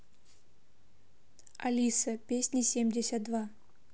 алиса песни семьдесят два